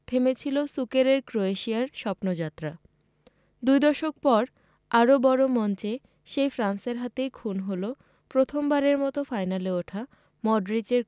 ভেজা মাঠেই বুনো উল্লাসে মাতলেন ফ্রান্সের বিশ্বজয়ী দামাল তরুণরা ১৯৯৮ বিশ্বকাপের সেমিফাইনালে জিদানের ফ্রান্সের কাছে হেরে